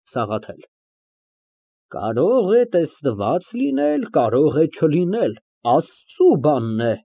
ՍԱՂԱԹԵԼ ֊ Կարող է տեսնված լինի, կարող է չլինի, Աստծու բանն է։